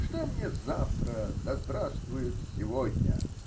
Что мне "завтра" -- да здравствует "сегодня"!